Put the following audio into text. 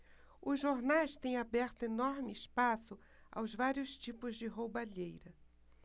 os jornais têm aberto enorme espaço aos vários tipos de roubalheira